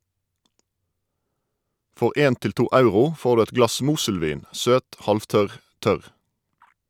For 1 til 2 euro får du et glass moselvin, søt, halvtørr, tørr.